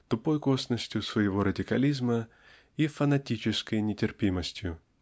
тупой косностью своего радикализма и фанатической нетерпимостью.